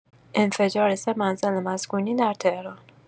انفجار ۳ منزل مسکونی در تهران